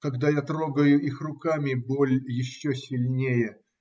Когда я трогаю их руками, боль еще сильнее.